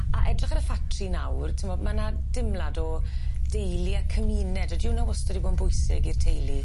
A edrych ar y ffatri nawr t'mod ma' na dimlad o deulu a cymuned ydyw wnna wastod 'di bo' yn bwysig i'r teulu?